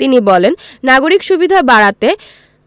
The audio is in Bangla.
তিনি বলেন নাগরিক সুবিধা বাড়াতে